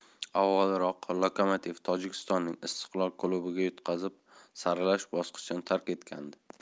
avvalroq lokomotiv tojikistonning istiqlol klubiga yutqazib saralash bosqichini tark etgandi